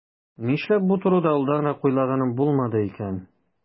Нишләп бу турыда алданрак уйлаганым булмады икән?